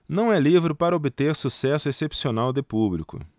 não é livro para obter sucesso excepcional de público